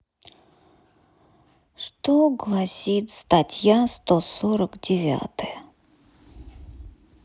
что гласит статья сто сорок девятая